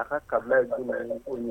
A ka jumɛn ye